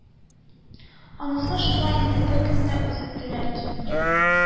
– анысы шулай инде, беркем дә үзе теләп китми